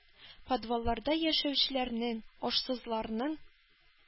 Подвалларда яшәүчеләрнең, ашсызларның,